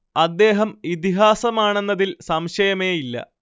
അദ്ദേഹം ഇതിഹാസമാണെന്നതിൽ സംശയമേയില്ല